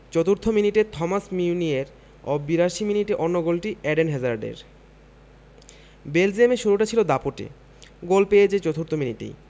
চতুর্থ মিনিটে Thomas Meunier ও ৮২ মিনিটে অন্য গোলটি এডেন হ্যাজার্ডের বেলজিয়ামের শুরুটা ছিল দাপুটে গোল পেয়ে যায় চতুর্থ মিনিটেই